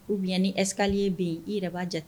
U biyan eskali ye bɛ yen i yɛrɛ b'a jate